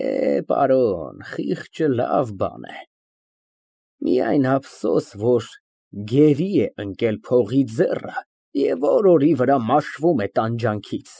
Է, պարոն, խիղճը լավ բան է, միայն ափսոս, որ գերի է ընկել փողի ձեռը և օր֊օրի վրա մաշվում է տանջանքից։